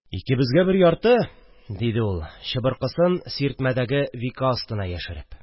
– икебезгә бер ярты, – диде ул, чыбыркысын сиртмәдәге вика астына яшереп